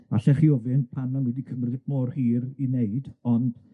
Allech chi ofyn pam ma' nw 'di cymryd mor hir i wneud, on'